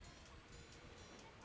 тогда ты завтра идешь за меня на работу